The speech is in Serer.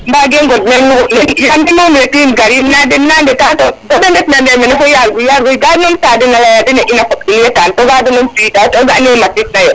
mbage ŋod ndate mi moom retim garim nda dena ndeta to ku de ndet na ndeer mene fo ka num ta den a leya dene in a koɓ in wetan to ga de num tu wida to o ga ne i mat rit nayo